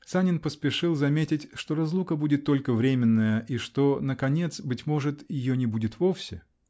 Санин поспешил заметить, что разлука будет только временная -- и что, наконец, быть может, ее не будет вовсе!